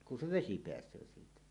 kun se vesi pääsee siitä